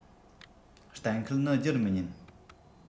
གཏན འཁེལ ནི སྒྱུར མི ཉན